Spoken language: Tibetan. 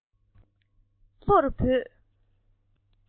ལི ལི ཞེས ང ཚོར བོས